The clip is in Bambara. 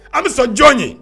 An bɛsa jɔn ye